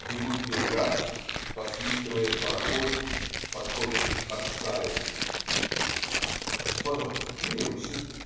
Бегут берега, посвистывает пароход - подходим к Аксаю. "Господа, немцы!